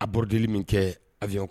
A bdi min kɛ aw vyan